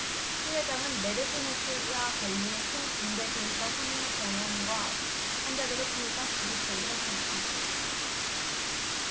추 회장은 메르스 노출자 관리에 큰 공백이 있어 선의의 병원과 환자들의 피해가 지속적으로 발생하고 있다